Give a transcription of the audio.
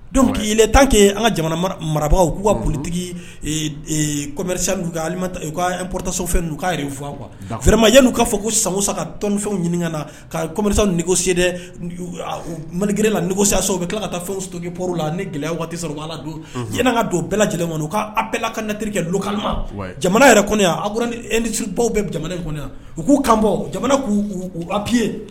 Don k'i tan' an ka jamana marabagaw k'u ka ptigi kɔm' ppta fɛn u' yɛrɛ fɔ kuwa fmaya' kaa fɔ ko sansa ka tɔnfɛnw ɲini na ka comsa nɛgɛse mankɛla nɛgɛsi sa u bɛ tila ka taa fɛn soki poro la ni gɛlɛya waati sɔrɔ ala don ka don bɛɛ lajɛlen ma u'a bɛɛla ka natiri kɛ lukama jamana yɛrɛya aw kobaw bɛ jamana in u k'u kanbɔ jamana k'upiiye